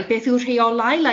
like beth yw'r rheolau